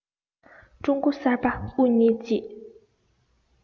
ཀྲུང གོ གསར པ དབུ བརྙེས རྗེས